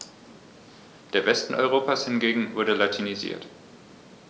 Der Westen Europas hingegen wurde latinisiert.